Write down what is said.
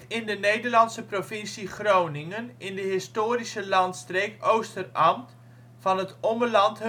in de Nederlandse provincie Groningen in de historische landstreek Oosterambt van het Ommeland